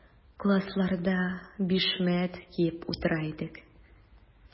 Классларда бишмәт киеп утыра идек.